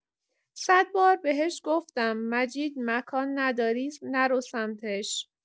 صدبار بهش گفتم مجید مکان نداری نرو سمتش.